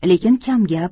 lekin kamgap